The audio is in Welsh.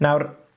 Nawr